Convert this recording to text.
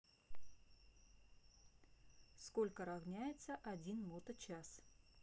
сколько равняется один моточас